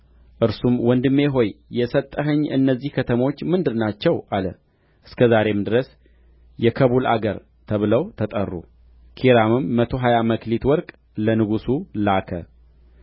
እርሱም ወንድሜ ሆይ የሰጠኸኝ እነዚህ ከተሞች ምንድር ናቸው አለ እስከ ዛሬም ድረስ የከቡል አገር ተብለው ተጠሩ ኪራምም መቶ ሀያ መክሊት ወርቅ ለንጉሡ ላከ